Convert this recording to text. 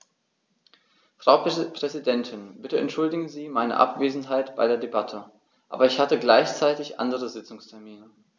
Frau Präsidentin, bitte entschuldigen Sie meine Abwesenheit bei der Debatte, aber ich hatte gleichzeitig andere Sitzungstermine.